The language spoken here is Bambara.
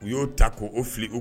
U y'o ta k' oo fili u